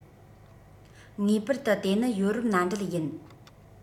ངེས པར དུ དེ ནི ཡོ རོབ མནའ འབྲེལ ཡིན